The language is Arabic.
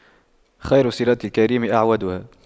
خير صِلاتِ الكريم أَعْوَدُها